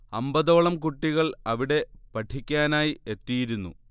അമ്പതോളം കുട്ടികൾ അവിടെ പഠിക്കാനായി എത്തിയിരുന്നു